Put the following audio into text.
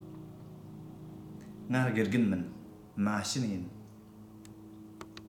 ང དགེ རྒན མིན མ བྱན ཡིན